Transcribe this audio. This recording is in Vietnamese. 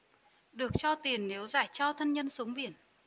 được cho tiền nếu rải tro thân nhân xuống biển